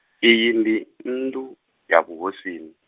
iyi ndi nnḓu, ya vhuhosini.